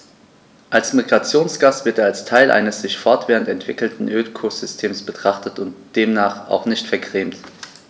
Als Migrationsgast wird er als Teil eines sich fortwährend entwickelnden Ökosystems betrachtet und demnach auch nicht vergrämt.